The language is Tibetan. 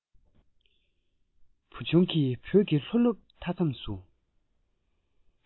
བུ ཆུང གིས བོད ཀྱི ལྷོ ནུབ མཐའ མཚམས སུ